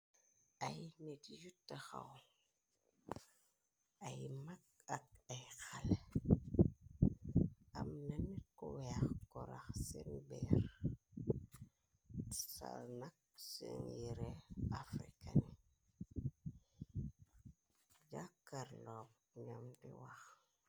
Ay nit yu ta xaw ay mag ak ay xale am nani ko weex korax sen beer ca nak sinyere afrika ni jaakar loom nam ti wax.